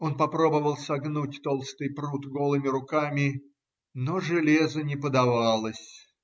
Он попробовал согнуть толстый прут голыми руками, но железо не подавалось.